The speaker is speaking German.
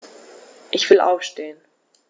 Ich will aufstehen.